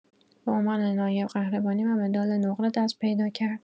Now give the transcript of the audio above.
به عنوان نایب‌قهرمانی و مدال نقره دست پیدا کرد.